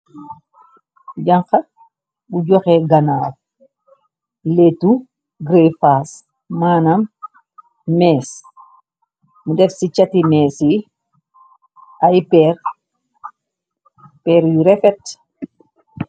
Janka bu joxe ganaaw léetu gray fas maanam mees mu def ci chetti méesi ay per yu refet.